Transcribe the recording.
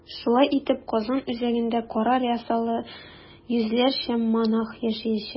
Шулай итеп, Казан үзәгендә кара рясалы йөзләрчә монах яшәячәк.